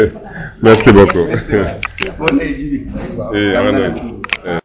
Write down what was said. merci beaucoup